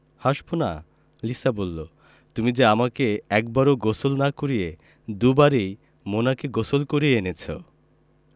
হাসবোনা লিসা বললো তুমি যে আমাকে একবারও গোসল না করিয়ে দুবারই মোনাকে গোসল করিয়ে এনেছো